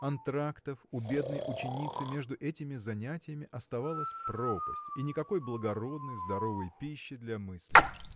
Антрактов у бедной ученицы между этими занятиями оставалось пропасть и никакой благородной здоровой пищи для мысли!